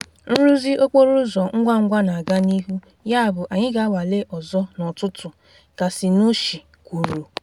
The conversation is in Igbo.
"Nrụzi okporo ụzọ ngwa ngwa na-aga n'ihu, yabụ anyị ga-anwale ọzọ n'ụtụtụ," ka Cernuschi kwuru.